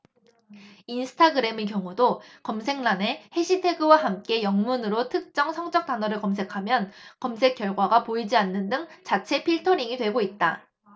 인스타그램의 경우도 검색란에 해시태그와 함께 영문으로 특정 성적 단어를 검색하면 검색 결과가 보이지 않는 등 자체 필터링이 되고 있다